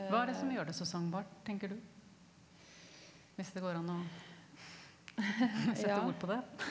hva er det som gjør det så sangbart tenker du hvis det går an å sette ord på det?